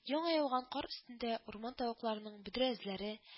Яңа яуган кар өстендә урман тавыкларының бөдрә эзләре